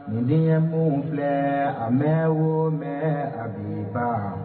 Nin ye mun filɛ a bɛ wo mɛn a biba